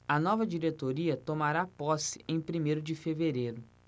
a nova diretoria tomará posse em primeiro de fevereiro